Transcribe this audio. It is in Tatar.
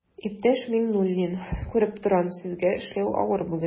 Иптәш Миңнуллин, күреп торам, сезгә эшләү авыр бүген.